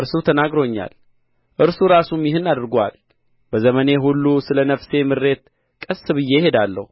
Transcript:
እርሱ ተናግሮኛል እርሱ ራሱም ይህን አድርጎአል በዘመኔ ሁሉ ስለ ነፍሴ ምሬት ቀስ ብዬ እሄዳለሁ